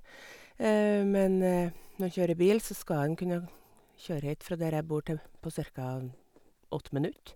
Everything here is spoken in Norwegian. Men når en kjører bil, så skal en kunne kjøre hit fra der jeg bor te på cirka en åtte minutter.